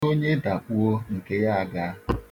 Onye dakpuo, nke ya agaa.